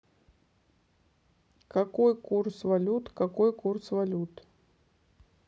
какой курс валют какой курс валют